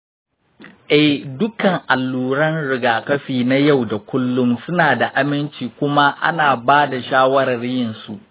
eh, dukkan alluran rigakafi na yau da kullum suna da aminci kuma ana ba da shawarar yinsu.